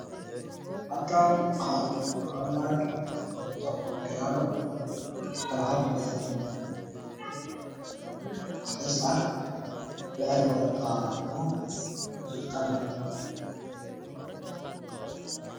Halkaan waxaa iiga muuqdo laba nasg oo wataan ikiyaalo taraxad cadees ah waxan wadataa buug iyo qalin